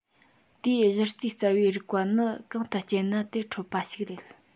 དེའི གཞི རྩའི རྩ བའི རིགས པ ནི གང དུ སྤྱད ན དེར འཕྲོད པ ཞིག ཡིན